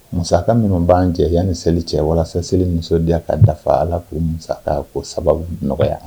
Masa minnu b'a cɛ yan ni seli cɛ walasa seli musodiya ka dafa a ko masa ko sababu nɔgɔya